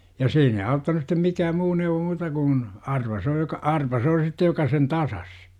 ja siinä ei auttanut sitten mikään muu neuvo muuta kuin arpa se on joka arpa se on sitten joka sen tasasi